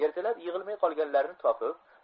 ertalab yig'ilmay qolganlarini topib